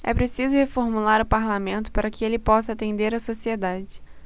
é preciso reformular o parlamento para que ele possa atender a sociedade